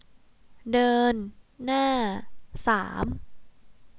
เดินหน้าสาม